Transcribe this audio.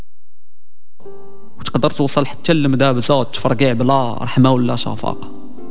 الدكتور صالح تكلم بالصوت تفرقع بلا رحمه ولا صفاء